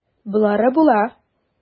Болары була.